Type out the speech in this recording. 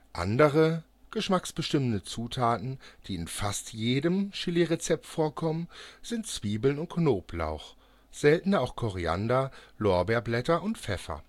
Andere, geschmacksbestimmende Zutaten, die in fast jedem Chilirezept vorkommen, sind Zwiebeln und Knoblauch, seltener auch Koriander, Lorbeerblätter und Pfeffer